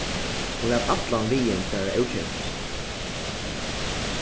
hon læt allan viðin fara ókeypis